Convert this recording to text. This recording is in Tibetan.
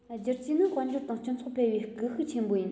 བསྒྱུར བཅོས ནི དཔལ འབྱོར དང སྤྱི ཚོགས འཕེལ བའི སྒུལ ཤུགས ཆེན པོ ཡིན